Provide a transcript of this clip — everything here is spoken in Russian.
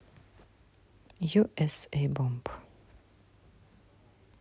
ю эс эй бомб